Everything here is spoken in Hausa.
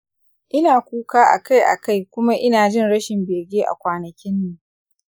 ina kuka akai-akai kuma ina jin rashin bege a kwanakin nan.